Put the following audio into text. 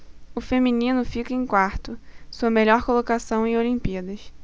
o feminino fica em quarto sua melhor colocação em olimpíadas